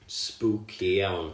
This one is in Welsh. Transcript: spooky iawn